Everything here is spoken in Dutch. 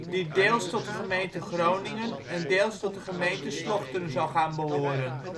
die deels tot de gemeente Groningen en deels tot de gemeente Slochteren zal gaan behoren